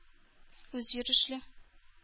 Үзйөрешле